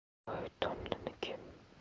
to'y to'nliniki